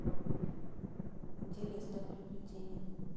интересное приобретение